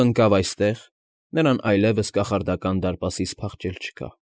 Ընկավ այստեղ, նրան այլևս կախարդական դարպասից փախչել չկա։